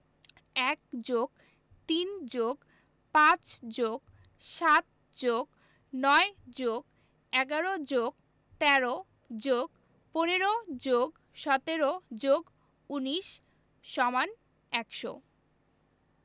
১+৩+৫+৭+৯+১১+১৩+১৫+১৭+১৯=১০০